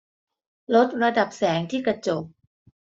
ลดระดับแสงที่กระจก